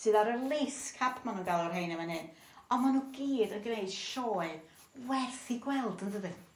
sydd ar y Lacecap ma' nw'n galw rhein yn man 'yn. On' ma' n'w gyd yn gneud sioe werth 'i gweld yndydi?